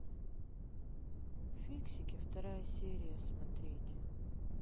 фиксики вторая серия смотреть